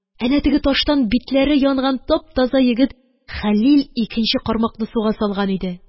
Әнә теге таштан битләре янган тап-таза егет Хәлил икенче кармакны суга салган иде.